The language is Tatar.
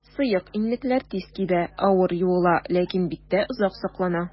Сыек иннекләр тиз кибә, авыр юыла, ләкин биттә озак саклана.